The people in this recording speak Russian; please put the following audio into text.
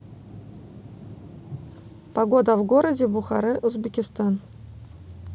погода в городе бухаре узбекистан